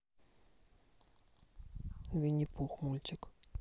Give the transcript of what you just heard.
винни пух мультик